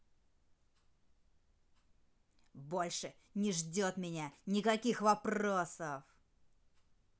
больше не ждет меня никаких вопросов